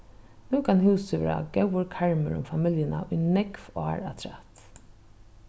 nú kann húsið vera góður karmur um familjuna í nógv ár afturat